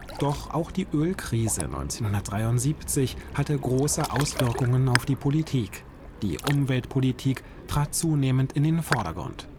Doch auch die Ölkrise 1973 hatte große Auswirkungen auf die Politik; die Umweltpolitik trat zunehmend in den Vordergrund